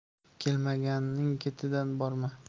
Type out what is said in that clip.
kelmaganning ketidan borma